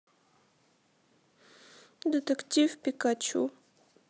детектив пикачу